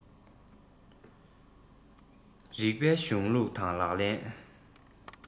རིགས པའི གཞུང ལུགས དང ལག ལེན